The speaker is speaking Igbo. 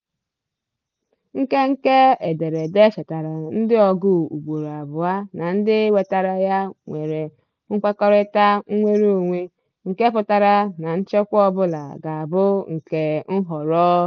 Nkenke ederede chetara ndị ọgụụ- ugboro abụọ -na ndị wetere ya nwere nkwekọrịta nnwere onwe, nke pụtara na nchekwa ọbụla ga-abụ nke nhọrọ.